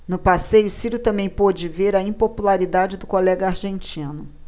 no passeio ciro também pôde ver a impopularidade do colega argentino